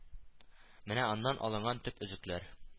Менә аннан алынган төп өзекләр: